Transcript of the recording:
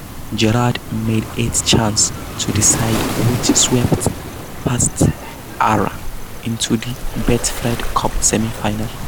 Gerrard made eight changes to the side which swept past Ayr into the Betfred Cup semi-finals.